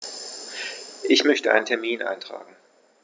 Ich möchte einen Termin eintragen.